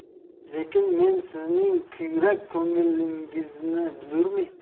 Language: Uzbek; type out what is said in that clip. lekin men sizning kuyrak ko'nglingizni bilurmen